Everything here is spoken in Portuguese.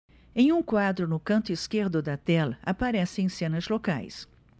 em um quadro no canto esquerdo da tela aparecem cenas locais